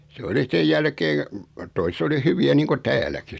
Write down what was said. se oli sen jälkeen toiset -- oli hyviä niin kuin täälläkin